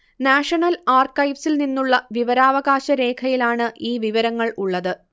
national ആർക്കൈവ്സിൽ നിന്നുള്ള വിവരാവകാശ രേഖയിലാണ് ഈ വിവരങ്ങൾ ഉള്ളത്